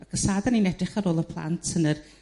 Ac os na 'dyn ni'n edrych ar ôl y plant yn yr